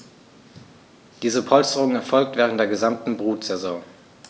Diese Polsterung erfolgt während der gesamten Brutsaison.